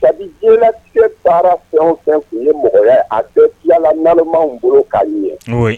sabutigɛ baara fɛn u ye mɔgɔya a bɛɛ tilalamaw bolo k'a ɲɛ